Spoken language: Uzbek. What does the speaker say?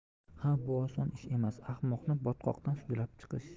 ha bu oson ish emas ahmoqni botqoqdan sudrab chiqish